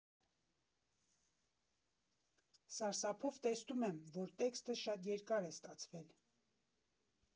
Սարսափով տեսնում եմ, որ տեքստը շատ երկար է ստացվել։